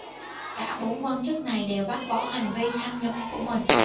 cả bốn quan chức này đều bác bỏ hành vi tham nhũng của mình